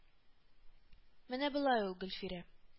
Менә болай ул, Гөлфирә